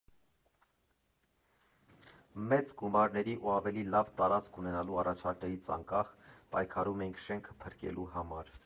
Մեծ գումարների կամ ավելի լավ տարածք ունենալու առաջարկներից անկախ պայքարում էինք շենքը փրկելու համար։